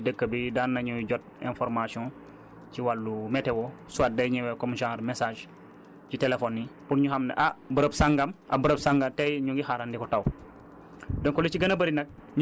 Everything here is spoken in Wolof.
toujours yu ci gën a bëri ci dëkk bi daan nañu jot information ci wàllu météo soit day ñëwee comme genre message ci téléphones yi pour ñu xam ne ah bërëb sangam ak bërëb sangam tay ñu ngi xaarandi fa taw